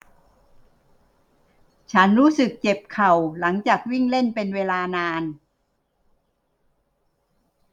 ฉันรู้สึกเจ็บเข่าหลังจากวิ่งเล่นเป็นเวลานาน